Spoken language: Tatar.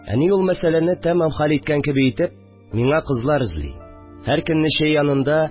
Әни, ул мәсьәләне тәмам хәл иткән кеби итеп, миңа кызлар эзли, һәр көнне чәй янында